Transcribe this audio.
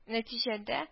Нәтиҗәдә